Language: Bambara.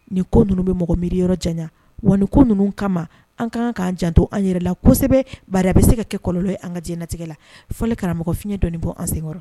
Nin ko ninnu bɛ mɔgɔ miiri yɔrɔ jan waɔni ko ninnu kama an ka k'an janto an yɛrɛ la kosɛbɛ ba bɛ se ka kɛ kɔlɔlɔnlɔ ye an kaɲɛnatigɛ la fɔli karamɔgɔ fiɲɛ dɔɔnin bɔ an senkɔrɔ